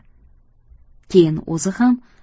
keyin o'zi ham